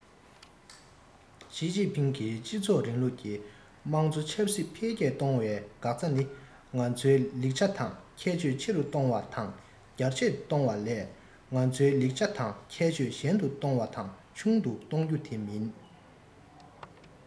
ཞིས ཅིན ཕིང གིས སྤྱི ཚོགས རིང ལུགས ཀྱི དམངས གཙོ ཆབ སྲིད འཕེལ རྒྱས གཏོང བའི འགག རྩ ནི ང ཚོའི ལེགས ཆ དང ཁྱད ཆོས ཆེ རུ གཏོང བ དང རྒྱ ཆེར གཏོང བ ལས ང ཚོའི ལེགས ཆ དང ཁྱད ཆོས ཞན དུ གཏོང བ དང ཆུང དུ གཏོང རྒྱུ དེ མིན